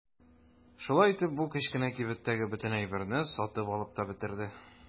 Шулай итеп бу кечкенә кибеттәге бөтен әйберне сатып алып та бетерде.